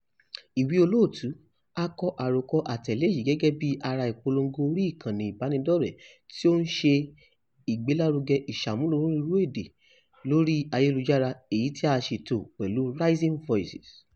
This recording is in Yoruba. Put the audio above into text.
Ìwé Olóòtú: A kọ àròkọ àtẹ̀lé yìí gẹ́gẹ́ bíi ara ìpolongo orí ìkànnì ìbánidọ́rẹ̀ẹ́ tí ó ń ṣe ìgbélárugẹ ìṣàmúlò onírúurú èdè lórí ayélujára èyí tí a ṣètò pẹ̀lú Rising Voices.